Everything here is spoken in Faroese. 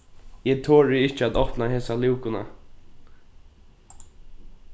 eg tori ikki at opna hesa lúkuna